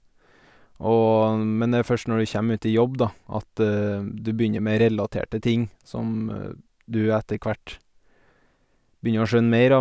og Men det er først når du kjem ut i jobb, da, at du begynner med relaterte ting som du etterhvert begynner å skjønne mer av.